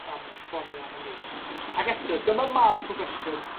am esbonio hynny. Ag eto dyma'r math o gwestiwn